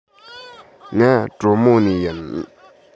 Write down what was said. ང གྲོ མོ ནས ཡིན